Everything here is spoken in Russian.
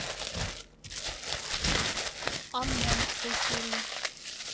амням все серии